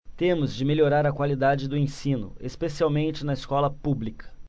temos de melhorar a qualidade do ensino especialmente na escola pública